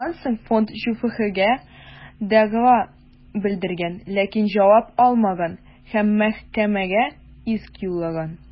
Моннан соң фонд ҖҮФХгә дәгъва белдергән, ләкин җавап алмаган һәм мәхкәмәгә иск юллаган.